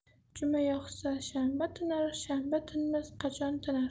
juma yog'sa shanba tinar shanba tinmasa qachon tinar